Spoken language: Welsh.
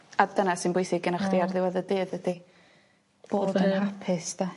A dyna sy'n bwysig genna chdi... Hmm. ...ar ddiwedd y dydd ydi bod yn hapus 'de.